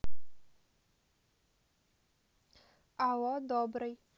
алло добрый